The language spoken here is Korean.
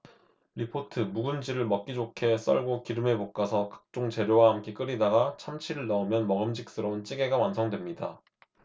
리포트 묵은지를 먹기 좋게 썰고 기름에 볶아서 각종 재료와 함께 끓이다가 참치를 넣으면 먹음직스러운 찌개가 완성됩니다